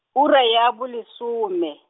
ura ya bolesome.